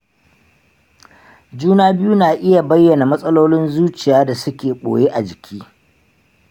juna biyu na iya bayyana matsalolin zuciya da suke ɓoye a jiki.